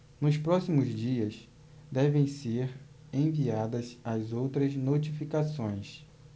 nos próximos dias devem ser enviadas as outras notificações